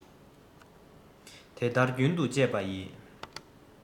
དེ ལྟར རྒྱུན དུ སྤྱད པ ཡིས